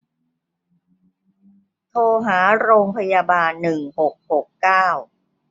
โทรหาโรงพยาบาลหนึ่งหกหกเก้า